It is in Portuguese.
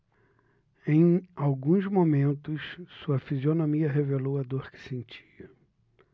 em alguns momentos sua fisionomia revelou a dor que sentia